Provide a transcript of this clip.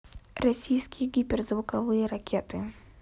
российские гиперзвуковые ракеты